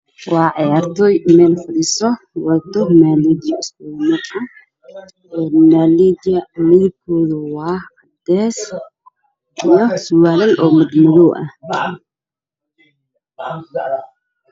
Waa ciyaartay burno dheelaya oo wataan fanaanada caddays ah kabo ayay gashanayaan